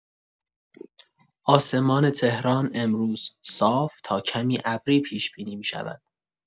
آسمان تهران امروز صاف تا کمی ابری پیش‌بینی می‌شود.